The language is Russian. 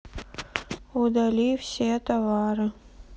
удали все товары